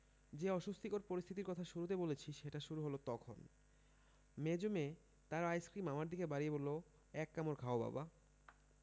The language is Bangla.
যে অস্বস্তিকর পরিস্থিতির কথা শুরুতে বলেছি সেটা শুরু হল তখন মেজো মেয়ে তার আইসক্রিম আমার দিকে বাড়িয়ে বলল এক কামড় খাও বাবা